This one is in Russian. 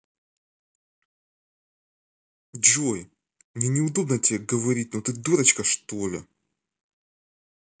джой мне неудобно тебе говорить но ты дурочка что ли или че